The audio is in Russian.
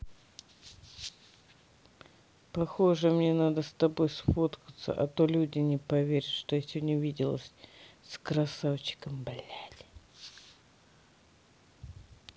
похоже мне надо с тобой сфоткаться а то люди не поверят что я сегодня видела с красавчиком блядь